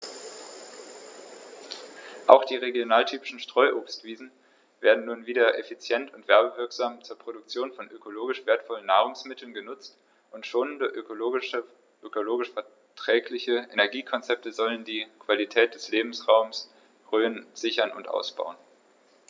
Auch die regionaltypischen Streuobstwiesen werden nun wieder effizient und werbewirksam zur Produktion von ökologisch wertvollen Nahrungsmitteln genutzt, und schonende, ökologisch verträgliche Energiekonzepte sollen die Qualität des Lebensraumes Rhön sichern und ausbauen.